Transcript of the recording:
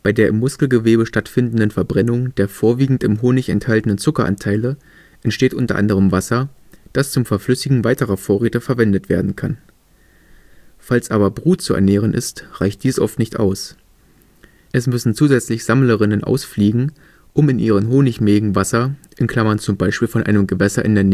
der im Muskelgewebe stattfindenden Verbrennung der vorwiegend im Honig enthaltenen Zuckeranteile entsteht u. a. Wasser, das zum Verflüssigen weiterer Vorräte verwendet werden kann. Falls aber Brut zu ernähren ist, reicht dies oft nicht aus. Es müssen zusätzlich Sammlerinnen ausfliegen, um in ihren Honigmägen Wasser (z. B. von einem Gewässer in der Nähe